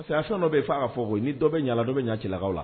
Parce a fɛn dɔ bɛ' f'a fɔ ko ni dɔ bɛ yaala dɔ bɛ ɲacikaw la